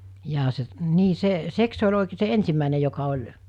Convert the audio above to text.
jaa se niin se se se oli oikein se ensimmäinen joka oli